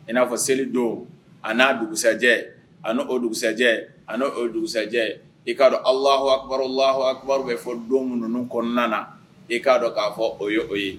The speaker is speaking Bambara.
I n'a fɔ selidon a n'a dugusɛjɛ a o dugusɛjɛ a o dugusɛjɛ e k'a dɔn a la bɛ fɔ don ninnu kɔnɔna na e k'a dɔn k'a fɔ o ye o ye